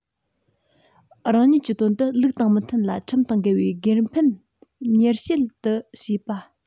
རང ཉིད ཀྱི དོན དུ ལུགས དང མི མཐུན ལ ཁྲིམས དང འགལ བའི སྒེར ཕན གཉེར བྱེད དུ བྱས པ